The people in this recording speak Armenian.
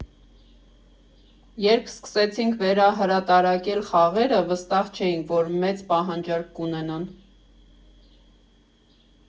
Երբ սկսեցինք վերահրատարակել խաղերը, վստահ չէինք, որ մեծ պահանջարկ կունենան։